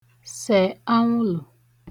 sẹ̀ anwụ̀lụ̀